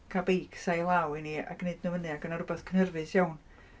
cael beics ail law i ni a gwneud nhw fyny, ac odd 'na rywbeth cynhyrfus iawn...